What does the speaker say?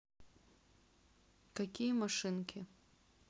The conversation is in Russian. какие машинки